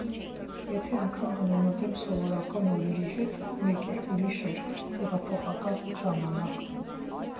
Եթե անգամ համեմատեմ սովորական օրերի հետ, մեկ է՝ ուրիշ էր հեղափոխության ժամանակ։